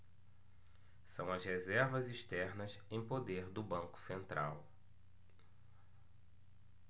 são as reservas externas em poder do banco central